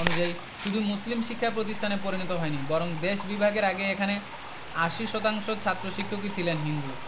অনুযায়ী শুধুই মুসলিম শিক্ষা প্রতিষ্ঠানে পরিণত হয় নি বরং দেশ বিভাগের আগে এখানে ৮০% ছাত্র শিক্ষকই ছিলেন হিন্দু